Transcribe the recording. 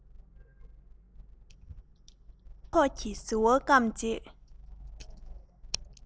རྩྭ ཐོག གི ཟིལ བ བསྐམས རྗེས